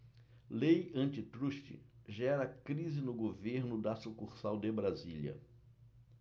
lei antitruste gera crise no governo da sucursal de brasília